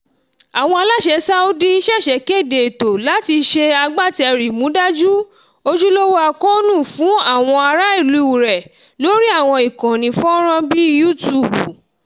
Àwọn aláṣẹ Saudi ṣẹ̀ṣẹ̀ kéde ètò láti ṣe agbátẹrù ìmúdájú "ojúlówó àkóónú" fún àwọn aráàlú rẹ̀ lórí àwọn ìkànnì fọ́nràn bíi YouTube.